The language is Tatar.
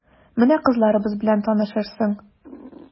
Менә кызларыбыз белән танышырсың...